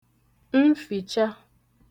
nfìcha